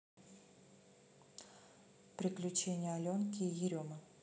приключения аленки и еремы